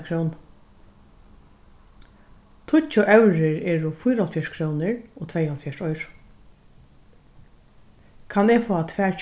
krónu tíggju evrur eru fýraoghálvfjerðs krónur og tveyoghálvfjerðs oyru kann eg fáa tvær